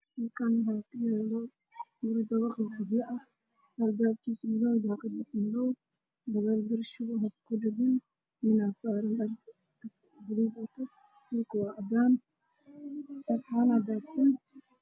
Meshan waxaa iiga muuqda guri Qabyo ah oo bulu keeti ah